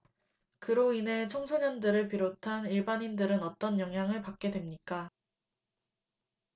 그로 인해 청소년들을 비롯한 일반인들은 어떤 영향을 받게 됩니까